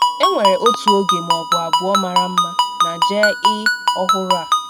Enwere otu oge ma ọ bụ abụọ mara mma na JE ọhụrụ a.